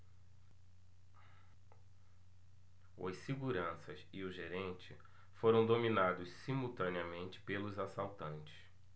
os seguranças e o gerente foram dominados simultaneamente pelos assaltantes